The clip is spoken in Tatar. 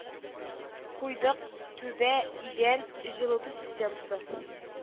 Куйдык, түбә, идән, жылыту системасы